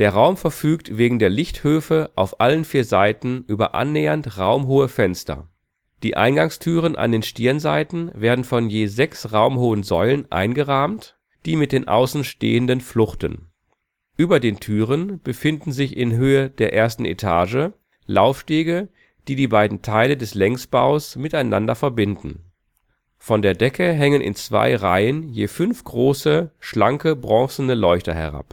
Raum verfügt wegen der Lichthöfe auf allen vier Seiten über annähernd raumhohe Fenster. Die Eingangstüren an den Stirnseiten werden von je sechs raumhohen Säulen eingerahmt, die mit den außen stehenden fluchten. Über den Türen befinden sich in Höhe der ersten Etage Laufstege, die die beiden Teile des Längsbaus miteinander verbinden. Von der Decke hängen in zwei Reihen je fünf große, schlanke bronzene Leuchter herab